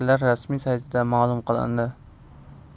rasmiy saytida ma'lum qilindi